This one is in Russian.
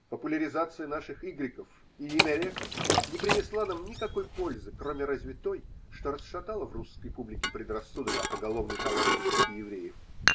Популяризация наших Игреков и Имяреков не принесла нам никакой пользы, кроме разве той, что расшатала в русской публике предрассудок о поголовной талантливости евреев.